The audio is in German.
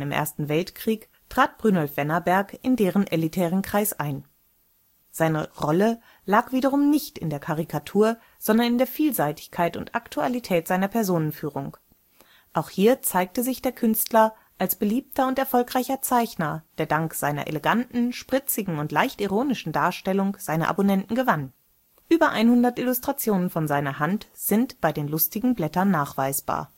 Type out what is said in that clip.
Ersten Weltkrieg, trat Brynolf Wennerberg in deren elitären Kreis ein. Seine Rolle lag wiederum nicht in der Karikatur, sondern in der Vielseitigkeit und Aktualität seiner Personenführung. Auch hier zeigte sich der Künstler als beliebter und erfolgreicher Zeichner, der dank seiner eleganten, spritzigen und leicht ironischen Darstellung seine Abonnenten gewann. Über 100 Illustrationen von seiner Hand sind bei den „ Lustigen Blättern “nachweisbar